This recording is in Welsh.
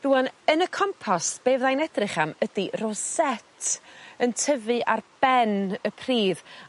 Rŵan yn y compos be fyddai'n edrych am ydi roset yn tyfu ar ben y pridd.